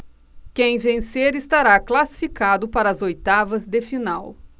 quem vencer estará classificado para as oitavas de final